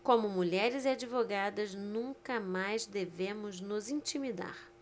como mulheres e advogadas nunca mais devemos nos intimidar